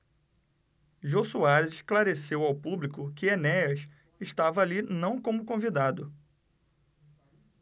jô soares esclareceu ao público que enéas estava ali não como convidado